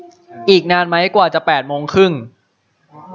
อีกนานไหมกว่าจะแปดโมงครึ่ง